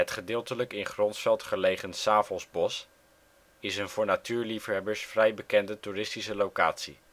gedeeltelijk in Gronsveld gelegen Savelsbos is een voor natuurliefhebbers vrij bekende toeristische locatie